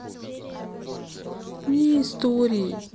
не истории